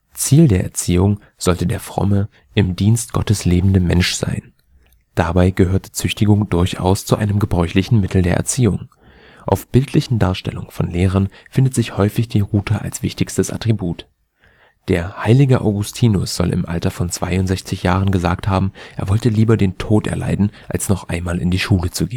Ziel der Erziehung sollte der fromme, im Dienst Gottes lebende Mensch sein. Dabei gehörte Züchtigung durchaus zu einem gebräuchlichen Mittel der Erziehung. Auf bildlichen Darstellungen von Lehrern findet sich häufig die Rute als wichtigstes Attribut. Der heilige Augustinus soll im Alter von 62 Jahren gesagt haben, er wolle lieber den Tod erleiden, als nochmals in die Schule zu